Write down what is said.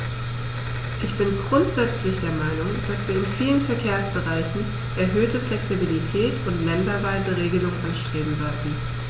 Ich bin grundsätzlich der Meinung, dass wir in vielen Verkehrsbereichen erhöhte Flexibilität und länderweise Regelungen anstreben sollten.